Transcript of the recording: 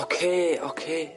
Ocê ocê.